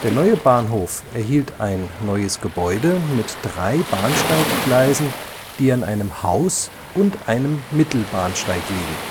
neue Bahnhof erhielt ein neues Gebäude mit drei Bahnsteiggleisen, die an einem Haus - und einem Mittelbahnsteig liegen